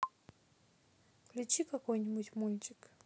включи какой нибудь мультик